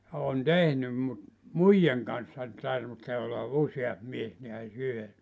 ja olen tehnyt mutta muijan kanssa tarvitsee olla useampi mies näet yhdessä